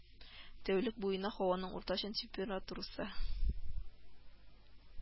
Тәүлек буена һаваның уртача температурасы